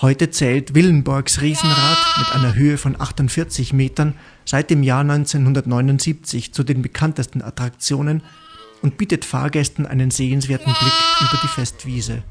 Heute zählt Willenborgs Riesenrad mit einer Höhe von 48 Metern seit dem Jahr 1979 zu den bekanntesten Attraktionen und bietet Fahrgästen einen sehenswerten Blick über die Festwiese